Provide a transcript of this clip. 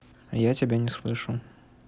я тебя не слышу